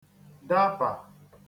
dabà